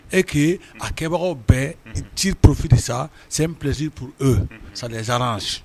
E k'e a kɛbagaw bɛɛ ci porofidi sa sen presiur saransi